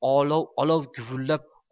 olov guvillab